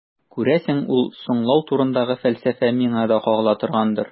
Күрәсең, ул «соңлау» турындагы фәлсәфә миңа да кагыла торгандыр.